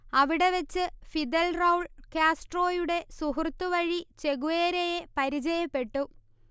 അവിടെ വെച്ച് Fidel Raul കാസ്ട്രോയുടെ സുഹൃത്തു വഴി ചെഗുവേരയെ പരിചയപ്പെട്ടു